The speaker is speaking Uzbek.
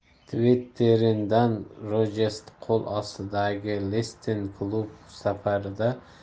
twitterbrendan rojers qo'l ostidagi lester klubi safarda